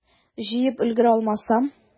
Җыеп өлгерә алмасам?